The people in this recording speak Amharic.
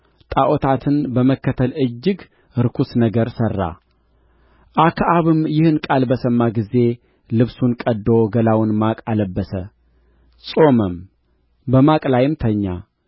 ጣዖታትን በመከተል እጅግ ርኩስ ነገር ሠራ አክዓብም ይህን ቃል በሰማ ጊዜ ልብሱን ቀድዶ ገላውን ማቅ አለበሰ ጾመም በማቅ ላይም ተኛ